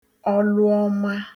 ọlụọma